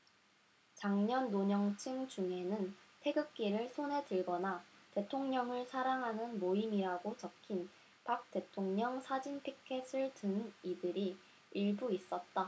장년 노년층 중에는 태극기를 손에 들거나 대통령을 사랑하는 모임이라고 적힌 박 대통령 사진 피켓을 든 이들이 일부 있었다